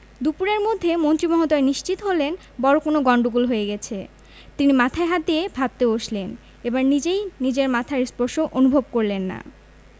দুপুরের মধ্যে মন্ত্রী মহোদয় নিশ্চিত হলেন বড় কোনো গন্ডগোল হয়ে গেছে তিনি মাথায় হাত দিয়ে ভাবতে বসলেন এবার নিজেই নিজের মাথার স্পর্শ অনুভব করলেন না